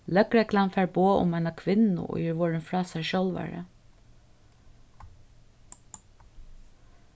løgreglan fær boð um eina kvinnu ið er vorðin frá sær sjálvari